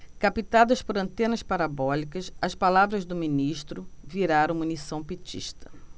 captadas por antenas parabólicas as palavras do ministro viraram munição petista